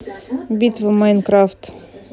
битвы майнкрафт